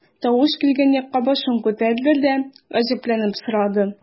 Тавыш килгән якка башын күтәрде дә, гаҗәпләнеп сорады.